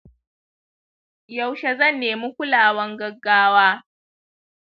yaushe zan nemi kulawan gaggawa